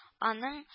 Аның